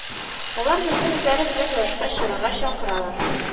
Алар безне үзләре белән ярышка чыгарга чакыралар